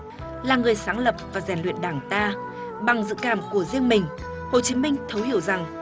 là người sáng lập và rèn luyện đảng ta bằng dũng cảm của riêng mình hồ chí minh thấu hiểu rằng